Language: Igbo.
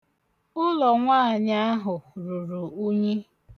Ụlọ nwaanyị ahụ ruru unyi.